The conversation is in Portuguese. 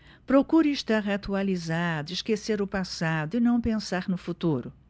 procuro estar atualizado esquecer o passado e não pensar no futuro